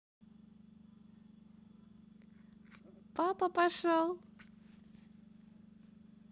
папа пошел